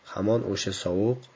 hamon o'sha sovuq